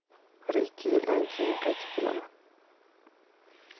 bir ikki yildan keyin qaytib kelaman